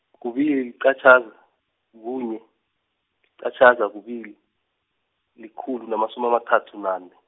kubili yiqatjhaza, kunye, yiqatjhaza kubili, likhulu namasumi amathathu nane.